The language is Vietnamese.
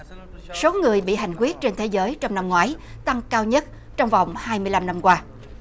số người bị hành quyết trên thế giới trong năm ngoái tăng cao nhất trong vòng hai mươi lăm năm qua